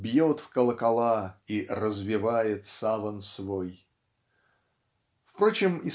бьет в колокола и "развевает саван свой". Впрочем